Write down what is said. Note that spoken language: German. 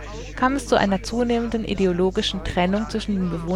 zu einer zunehmenden ideologischen Trennung zwischen